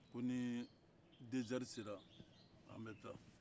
ko ni deux heures sera an bɛ taa